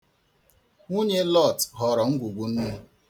Nwunye Lọt ghọrọ ngwùgwù nnu.